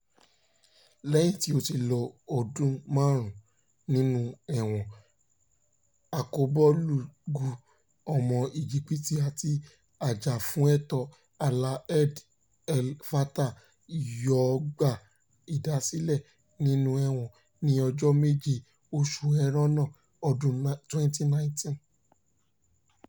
Lẹ́yìn tí ó ti lo ọdún 5 nínú ẹ̀wọ̀n, akọbúlọ́ọ̀gù ọmọ Íjípìtì àti ajàfúnẹ̀tọ́ Alaa Abd El Fattah yóò gba ìdásílẹ̀ nínú ẹ̀wọ̀n ní ọjọ́ 7, oṣù Ẹrẹ́nà, ọdún 2019.